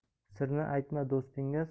sirni aytma do'stingga